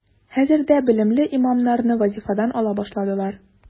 Хәзер дә белемле имамнарны вазифадан ала башладылар.